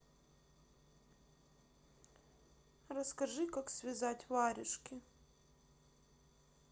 расскажи как связать варежки